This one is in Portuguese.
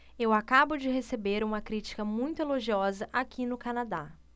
eu acabo de receber uma crítica muito elogiosa aqui no canadá